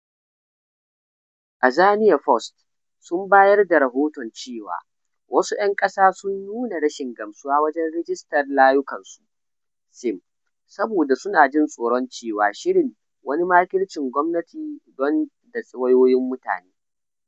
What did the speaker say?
Azania Post sun bayar da rahoton cewa wasu ‘yan ƙasa sun nuna rashin gamsuwa wajen rajistar layukansu (SIM) saboda suna jin tsoron cewa shirin “wani makircin gwamnati don su datsi wayoyin mutane.”